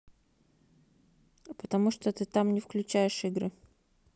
а потому что ты там не включаешь игры